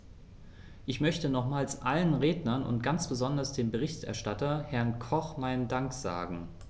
Ich möchte nochmals allen Rednern und ganz besonders dem Berichterstatter, Herrn Koch, meinen Dank sagen.